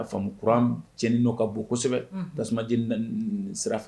Faamumu k cɛnin' ka bon kosɛbɛ tasumauman j na sirafɛ